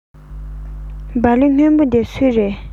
སྦ ལན སྔོན པོ འདི སུའི རེད